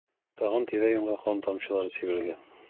Тагын тирә-юньгә кан тамчылары сибелгән.